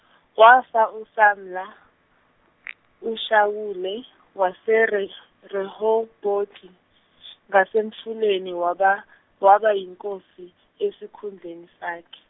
wafa uSamla uShawule waseRe- Rehoboti ngasemfuleni waba waba yiNkosi esikhundleni sakhe.